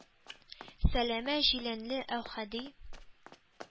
Сәләмә җиләнле Әүхәди